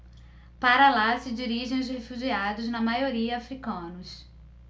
para lá se dirigem os refugiados na maioria hútus